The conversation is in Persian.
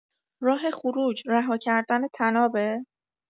راه خروج رهاکردن طنابه؟